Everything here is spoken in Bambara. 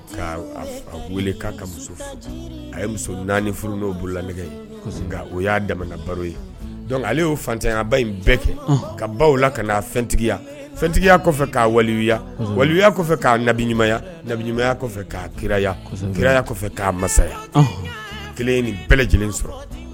K' weele ka a ye muso naani furu n'o bolola nɛgɛgɛ nka o y'a daminɛ baro ye ale y' fatan a ba in bɛɛ kɛ ka baw la kaa fɛntigiyatigiya'a waliya waliya k'abi ɲumanya ɲumanya'a kiraya kiraya k'a masaya kelen ni bɛɛ lajɛlen sɔrɔ